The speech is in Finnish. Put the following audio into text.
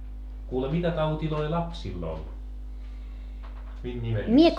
kuule mitä tauteja lapsilla oli minkä nimellisiä